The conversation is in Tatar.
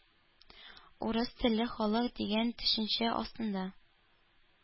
«урыс телле халык» дигән төшенчә астында